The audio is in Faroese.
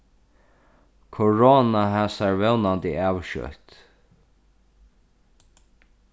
korona hæsar vónandi av skjótt